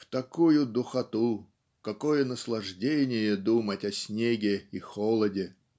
в такую духоту какое наслаждение думать о сны е и холоде!")